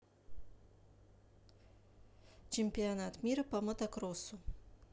чемпионат мира по мотокроссу